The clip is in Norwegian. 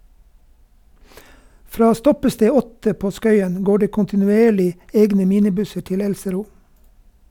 Fra stoppested 8 på Skøyen går det kontinuerlig egne minibusser til Elsero.